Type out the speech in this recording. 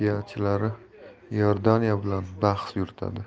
olimpiyachilari iordaniya bilan bahs yuritadi